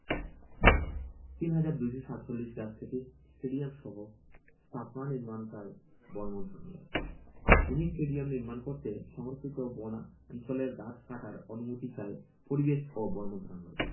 ৩২৪৭ গাছ কেটে স্টেডিয়ামসহ স্থাপনা নির্মাণ চায় বন মন্ত্রণালয় মিনি স্টেডিয়াম নির্মাণ করতে সংরক্ষিত বনাঞ্চলের গাছ কাটার অনুমতি চায় পরিবেশ ও বন মন্ত্রণালয়